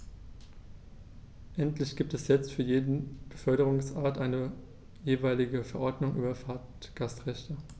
Endlich gibt es jetzt für jede Beförderungsart eine jeweilige Verordnung über Fahrgastrechte.